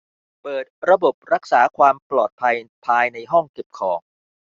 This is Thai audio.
เปิดระบบรักษาความปลอดภัยภายในห้องเก็บของ